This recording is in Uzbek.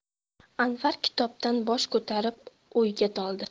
anvar kitobdan bosh ko'tarib o'yga toldi